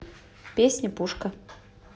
песня пушка